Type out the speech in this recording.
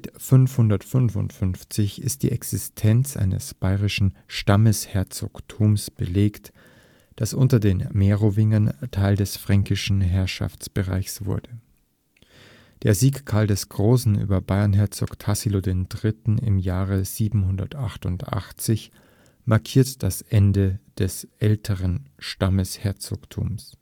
555 ist die Existenz eines bayerischen Stammesherzogtums belegt, das unter den Merowingern Teil des fränkischen Herrschaftsbereichs wurde. Der Sieg Karls des Großen über Bayernherzog Tassilo III. im Jahre 788 markiert das Ende des „ älteren Stammesherzogtums